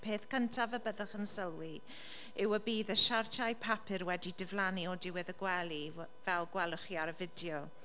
Y peth gyntaf y byddwch yn sylwi yw y bydd y siartiau papur wedi diflannu o diwedd y gwely fe- fel gwelwch chi ar y fideo.